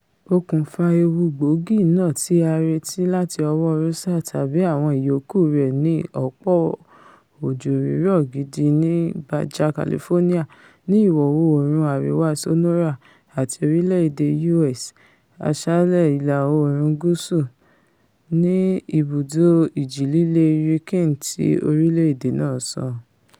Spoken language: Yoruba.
Okùnfà ewu gbòógì náà tí a reti láti ọwọ́ Rosa tàbí àwọn ìyókù rẹ̵̀ ni ọ̀pọ̀ òjò-rírọ̀ gidi ní Baja California, ní ìwọ-oòrùn àríwá Sonora, àti orílẹ̀-èdè U.S. Asálẹ Ìlà-oòrùn Gúúsù,'' ni Ibùdó Ìjì-líle Hurricane ti orílẹ̀-èdè náà sọ.